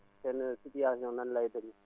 seen situation nan lay demee